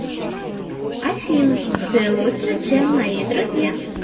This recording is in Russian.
афина ты лучше чем мои друзья